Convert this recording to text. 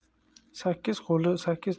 sakkiz qo'li sakkiz